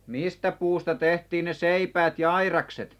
mistä puusta tehtiin ne seipäät ja aidakset